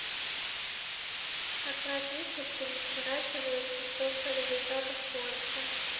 отправь весточку не сворачивается шторка результатов поиска